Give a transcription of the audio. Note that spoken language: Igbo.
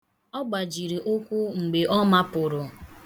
Ọ gbajiri ụkwụ mgbe ọ mapụrụ.